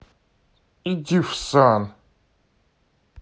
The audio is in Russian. иди в san